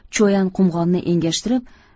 qumg'onni engashtirib